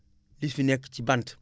li fi nekk ci bant